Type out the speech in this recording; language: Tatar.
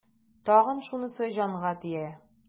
Тагын шунысы җанга тия.